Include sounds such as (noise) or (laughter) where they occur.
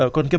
(breath) (hesitation)